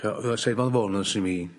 Yy ydda fe se fo'n bonws i mi